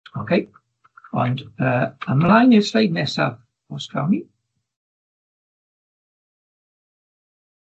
Ocê ond yy ymlaen i'r sleid nesa os cawn ni.